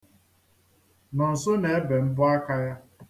Nonso na-ebe mbọ aka ya.